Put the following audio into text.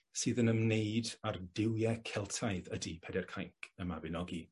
sydd yn ymwneud â'r duwie Celtaidd ydi Peder Cainc y Mabinogi.